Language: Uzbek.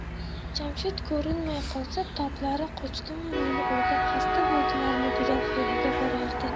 jamshid ko'rinmay qolsa toblari qochdimi meni o'ylab xasta bo'ldilarmi degan xayolga borardi